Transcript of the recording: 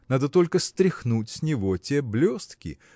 надо только стряхнуть с него те блестки